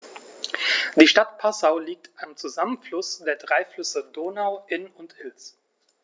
Die Stadt Passau liegt am Zusammenfluss der drei Flüsse Donau, Inn und Ilz.